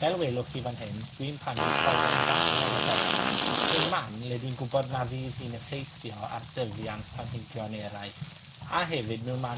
Fel welwch hi fan hyn, dwi'n plannu colfen fale yn y berllan, mewn man le dwi'n gwbod na fydd hi'n effeithio ar dyfiant planhigion eraill, a hefyd, mewn man